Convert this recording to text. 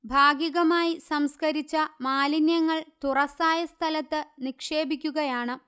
ഭാഗികമായി സംസ്കരിച്ച മാലിന്യങ്ങൾ തുറസ്സായ സ്ഥലത്ത് നിക്ഷേപിക്കുകയാണ്